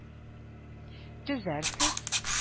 Төзәрсез